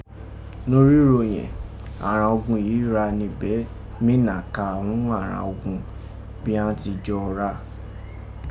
Norígho yẹ̀n, àghan Ogun yìí gha nibẹ̀ mi nàka ghún àghan Ogun, bí án ti jọ gha.